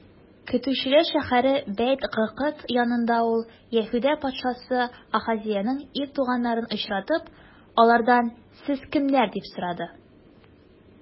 Көтүчеләр шәһәре Бәйт-Гыкыд янында ул, Яһүдә патшасы Ахазеянең ир туганнарын очратып, алардан: сез кемнәр? - дип сорады.